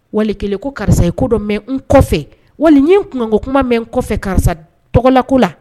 Wali kɛlen ko karisa ye ko dɔ mɛ n kɔfɛ wali kun ko kuma mɛ karisa dɔgɔlako la